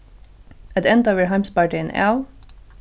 at enda verður heimsbardagin av